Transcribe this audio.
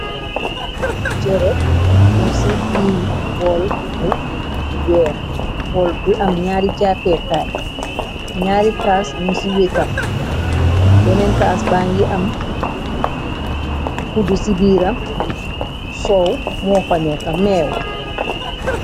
Chereh mung ci biir bol bu weex bol bi am ñaari jàppe kaay, ñaari caas nyun ci wëtam, benneen caas ba ngi am kuddu ci biiram soow moo faneka meew.